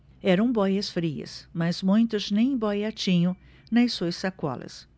eram bóias-frias mas muitos nem bóia tinham nas suas sacolas